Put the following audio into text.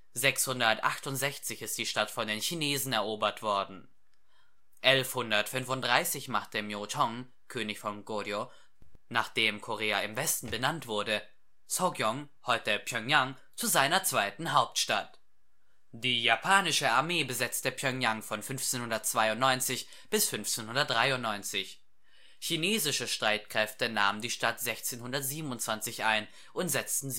668 ist die Stadt von den Chinesen erobert worden. 1135 machte Myo Cheong, König von Goryeo (nach dem Korea im Westen benannt wurde), Seogyeong (heute Pjöngjang) zu seiner zweiten Hauptstadt. Die japanische Armee besetzte Pjöngjang von 1592 bis 1593. Chinesische Streitkräfte nahmen die Stadt 1627 ein und setzten